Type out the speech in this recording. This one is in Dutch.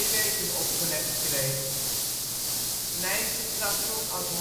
weken opgelegd kreeg. Nijsse trad toen als